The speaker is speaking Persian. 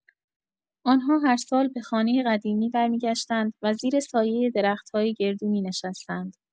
آن‌ها هر سال به خانۀ قدیمی برمی‌گشتند و زیر سایۀ درخت‌های گردو می‌نشستند.